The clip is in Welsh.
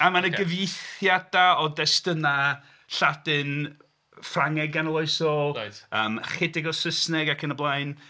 A mae 'na gyfieithiadau o destunau Lladin, Ffrangeg Ganoloesol yym chydig o Saesneg ac yn y blaen.